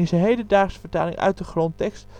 hedendaagse vertaling uit de grondtekst